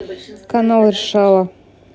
канал решала